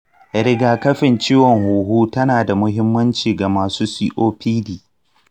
rigakafin ciwon huhu tana da muhimmanci ga masu copd.